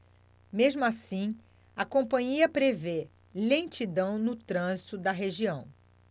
mesmo assim a companhia prevê lentidão no trânsito na região